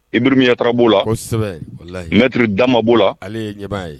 Ibirimiyata b'o lari dama' la ale ye ye